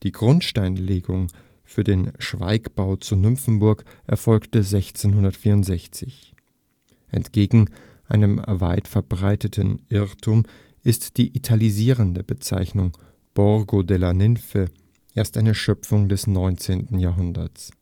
Grundsteinlegung für den „ Schwaigbau zu Nymphenburg “erfolgte 1664. Entgegen einem weit verbreiteten Irrtum ist die italienisierende Bezeichnung „ Borgo delle Ninfe “erst eine Schöpfung des 19. Jahrhunderts